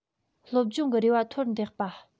སློབ སྦྱོང གི རེ བ མཐོར འདེགས པ